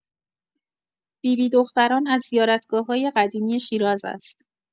بی‌بی دختران از زیارتگاه‌های قدیمی شیراز است.